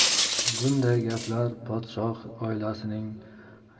bunday gaplar podshoh oilasining